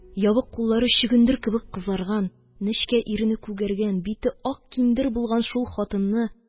Ябык куллары чөгендер кебек кызарган, нечкә ирене күгәргән, бите ак киндер булган шул хатынны